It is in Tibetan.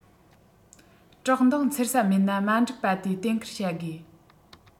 བཀྲག མདངས འཚེར ས མེད ན མ འགྲིག པ དེ གཏན འཁེལ བྱ དགོས